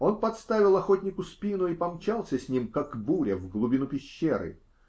Он подставил охотнику спину и помчался с ним, как буря, в глубину пещеры.